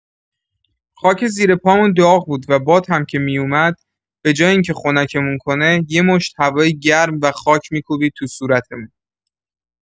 خاک زیر پامون داغ بود و باد هم که می‌اومد، به‌جای اینکه خنکمون کنه، یه مشت هوای گرم و خاک می‌کوبید توی صورتمون.